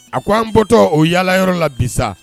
A ko' an bɔtɔ o yaala yɔrɔyɔrɔ la bi sa